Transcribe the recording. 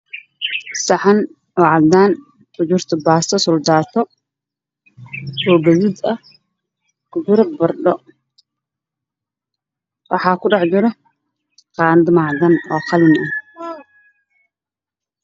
Meeshaan waxaa ka muuqdo saxan cadaan ah oo ay ku jirto baasto saldaato ah